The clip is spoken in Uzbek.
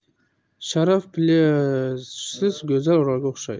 sharaf plyajsiz go'zal orolga o'xshaydi